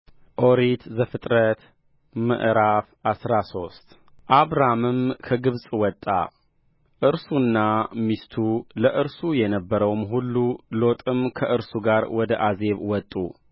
ኦሪት ዘፍጥረት ምዕራፍ አስራ ሶስት አብራምም ከግብፅ ወጣ እርሱና ሚስቱ ለእርሱ የነበረውም ሁሉ ሎጥም ከእርሱ ጋር ወደ አዜብ ወጡ